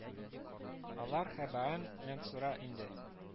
Алар һәбаән мөнсүра инде